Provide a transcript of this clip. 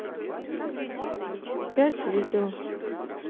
пять видео